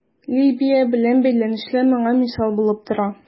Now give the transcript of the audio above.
Либия белән бәйләнешләр моңа мисал булып тора.